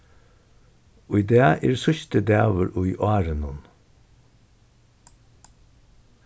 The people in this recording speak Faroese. í dag er síðsti dagur í árinum